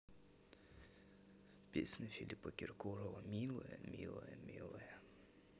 песня филиппа киркорова милая милая милая